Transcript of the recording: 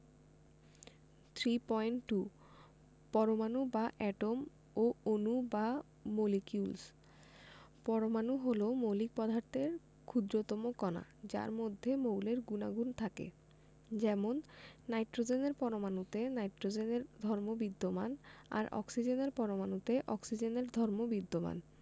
3.2 পরমাণু বা এটম ও অণু বা মলিকিউলস পরমাণু হলো মৌলিক পদার্থের ক্ষুদ্রতম কণা যার মধ্যে মৌলের গুণাগুণ থাকে যেমন নাইট্রোজেনের পরমাণুতে নাইট্রোজেনের ধর্ম বিদ্যমান আর অক্সিজেনের পরমাণুতে অক্সিজেনের ধর্ম বিদ্যমান